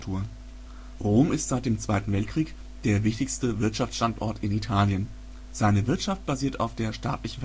Rom ist seit dem Zweiten Weltkrieg der wichtigste Wirtschaftsstandort in Italien. Seine Wirtschaft basiert auf der staatlichen